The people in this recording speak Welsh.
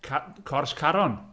Ca- Cors Caron.